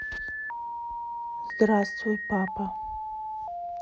здравствуй папа